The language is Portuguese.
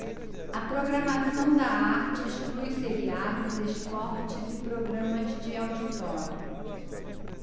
a programação da arte exclui seriados esportes e programas de auditório